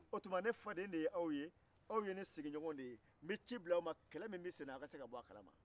o tuma ne faden de ye aw ye aw ye ne sigiɲɔgɔnw ye n bɛ ci bila aw ma walasa aw ka bɔ a kalama kɛlɛ min bɛ sen na